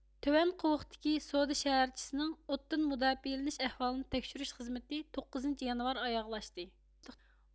تۆۋەن قوۋۇقتىكى سودا شەھەرچىسىنىڭ ئوتتىن مۇداپىئەلىنىش ئەھۋالىنى تەكشۈرۈش خىزمىتى توققۇزىنچى يانۋار ئاياغلاشتى